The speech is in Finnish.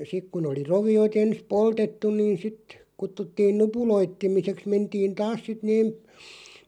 sitten kun oli roviot ensin poltettu niin sitten kutsuttiin nupuloitsemiseksi mentiin taas sitten ne